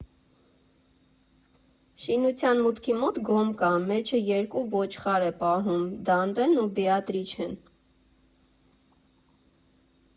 Շինության մուտքի մոտ գոմ կա, մեջը երկու ոչխար է պահում՝ Դանթեն ու Բեատրիչեն։